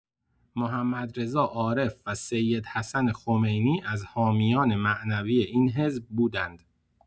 محمدرضا عارف و سیدحسن خمینی از حامیان معنوی این حزب بودند.